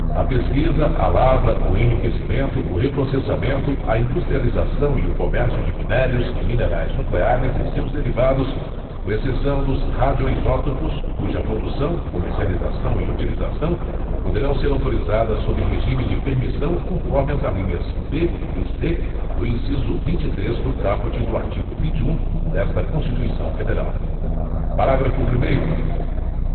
a pesquisa a lavra o enriquecimento o reprocessamento a industrialização e o comércio de minérios e minerais nucleares e seus derivados com exceção dos radioisótopos cuja produção comercialização e utilização poderão ser autorizadas sob regime de permissão conforme as alíneas b e c do inciso vinte e três do caput do artigo vinte e um desta constituição federal parágrafo primeiro